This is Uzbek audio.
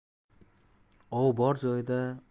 ov bor joyda